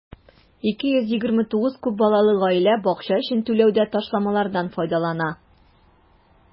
229 күп балалы гаилә бакча өчен түләүдә ташламалардан файдалана.